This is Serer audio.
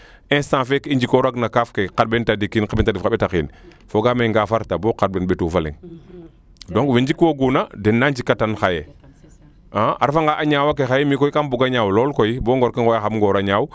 instant fe i njikoroog na kaaf ke xarɓeen tadik kiin xarɓen tadik faxa ɓetak kiin fogaam ngaafa reta bo xarɓeen ɓetu fa leŋ donc wee njik wooguna den na njika tan xaye a refa nga a ñaawa ke e mi de kam buga ñaaw lool koy bo Ngor ke ngoya xam Ngor ñaaw